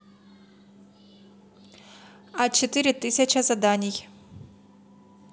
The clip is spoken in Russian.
а четыре тысяча заданий